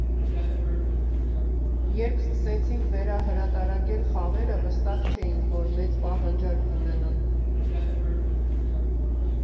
«Երբ սկսեցինք վերահրատարակել խաղերը, վստահ չէինք, որ մեծ պահանջարկ կունենան։